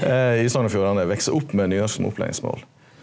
i Sogn og Fjordane veks opp med nynorsk som opplæringsmål.